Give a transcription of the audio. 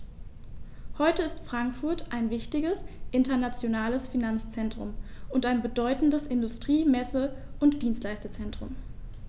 Heute ist Frankfurt ein wichtiges, internationales Finanzzentrum und ein bedeutendes Industrie-, Messe- und Dienstleistungszentrum.